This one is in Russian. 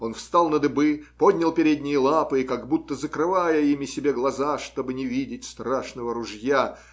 он встал на дыбы, подняв передние лапы и как будто закрывая ими себе глаза, чтобы не видеть страшного ружья.